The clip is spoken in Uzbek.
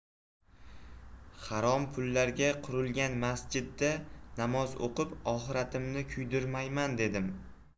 harom pullarga qurilgan masjidda namoz o'qib oxiratimni kuydirmayman dedim